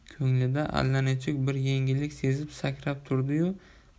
ko'nglida allanechuk bir yengillik sezib sakrab turdiyu